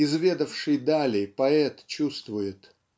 Изведавший дали поэт чувствует